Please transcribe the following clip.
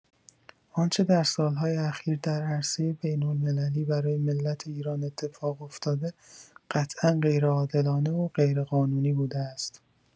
آنچه در سال‌های اخیر در عرصه بین‌المللی برای ملت ایران اتفاق افتاده قطعا غیرعادلانه و غیرقانونی بوده است.